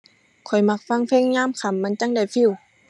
ข้อยมักฟังเพลงยามค่ำ มันจั่งได้ฟีล